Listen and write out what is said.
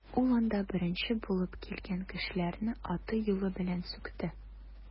Ул анда беренче булып килгән кешеләрне аты-юлы белән сүкте.